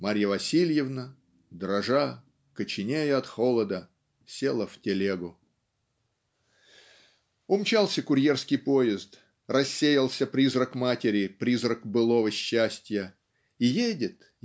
Марья Васильевна, дрожа, коченея от холода, села в телегу". Умчался курьерский поезд рассеялся призрак матери призрак былого счастья и едет